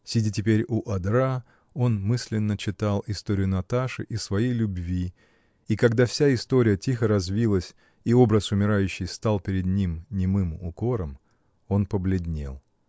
Сидя теперь у одра, он мысленно читал историю Наташи и своей любви, и когда вся история тихо развилась и образ умирающей стал перед ним немым укором, он побледнел.